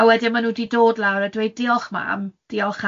A wedyn maen nhw 'di dod lawr a dweud diolch mam, diolch